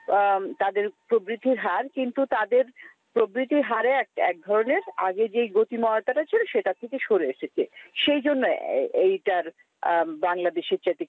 তাদের প্রবৃদ্ধির হার কিন্তু তাদের প্রবৃদ্ধির হারে এক ধরনের গতিময়তা টা ছিল সেটা থেকে সরে এসেছে সেই জন্য এই টার বাংলাদেশের চাইতে